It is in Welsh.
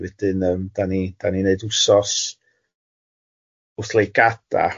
Wedyn yym da ni da ni'n wneud wsos wrth Lake Gada